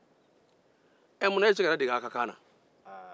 munna e tɛ se ka ne dege a ka kan na